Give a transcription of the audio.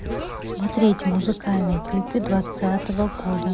смотреть музыкальные клипы двадцатого года